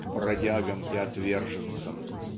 к бродягам и отверженцам.